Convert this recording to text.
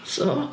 So?